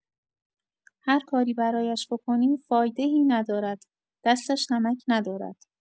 هر کاری برایش بکنی، فایده‌ای ندارد، دستش نمک ندارد.